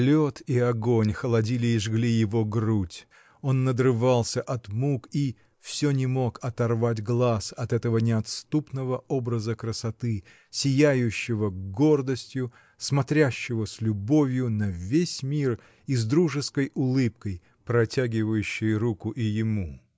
Лед и огонь холодили и жгли его грудь, он надрывался от мук и — всё не мог оторвать глаз от этого неотступного образа красоты, сияющего гордостью, смотрящего с любовью на весь мир и с дружеской улыбкой протягивающего руку и ему.